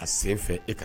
A sen fɛ e ka